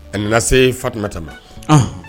A nana se fatu tɛm